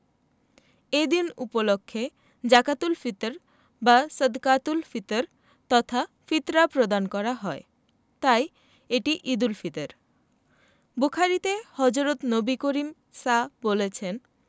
এই দিন উপলক্ষে জাকাতুল ফিতর বা সদকাতুল ফিতর তথা ফিতরা প্রদান করা হয় তাই এটি ঈদুল ফিতর বুখারিতে হজরত নবী করিম সা বলেছেন